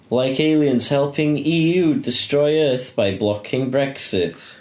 Like aliens helping EU destroy Earth by blocking Brexit.